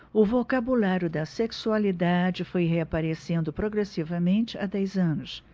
o vocabulário da sexualidade foi reaparecendo progressivamente há dez anos